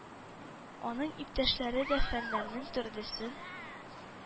Анын иптәшләре дә фәннәрнең, төрлесен,